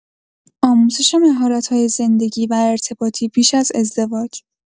آموزش مهارت‌های زندگی و ارتباطی پیش از ازدواج